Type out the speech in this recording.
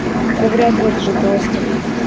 да вряд ли это же пластик